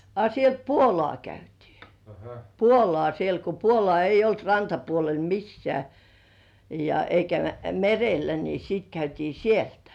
a sieltä puolukka käytiin puolukkaa sieltä kun puolukkaa ei ollut rantapuolella missään ja eikä merellä niin sitten käytiin sieltä